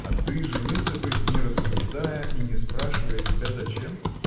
– А ты женился бы, не рассуждая и не спрашивая себя: зачем?